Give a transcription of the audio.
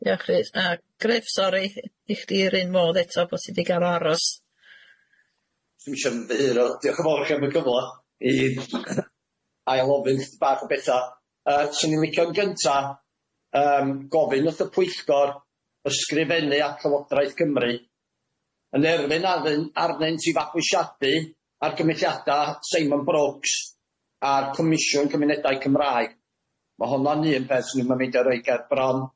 Diolch Rhys a Griff sori i chdi run modd bod ti wedi goro aros, ddim isio ymddiheuro diolch yn fawr iawn am y cyfla i ail ofyn bach o betha yy swn i'n licio yn gynta yym gofyn wrth y pwyllgor ysgrifennu at Llywodraeth Cymru yn erbyn arnyn- arnynt i fabwysiadu a'r cymdeithiada Seimon Brookes a'r Comisiwn Cymunedau Cymraeg, ma' honna'n un peth swn i'm yn meindio roi ger bron.